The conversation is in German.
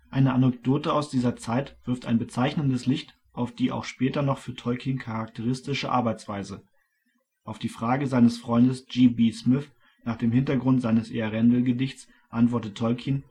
Eine Anekdote aus dieser Zeit wirft ein bezeichnendes Licht auf die auch später noch für Tolkien charakteristische Arbeitsweise: Auf die Frage seines Freundes G. B. Smith nach dem Hintergrund seines Earendel-Gedichtes antwortet Tolkien